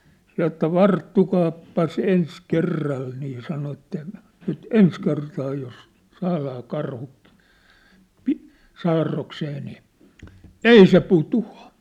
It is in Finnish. sanoi että varttukaapas ensi kerralla niin sanoi että nyt ensi kertaa jos saadaan karhu - saarrokseen niin ei se putoa